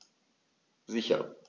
Sicher.